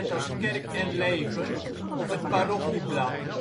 als Kerk en Leven of het Parochieblad